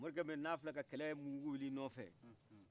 morikɛ mun n' a filɛ ka kɛlɛ in mun wuli i nɔfɛ